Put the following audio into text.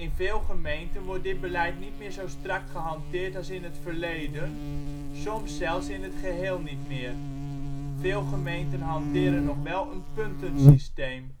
veel gemeenten wordt dit beleid niet meer zo strak gehanteerd als in het verleden, soms zelfs in het geheel niet meer. Veel gemeenten hanteren nog wel een puntensysteem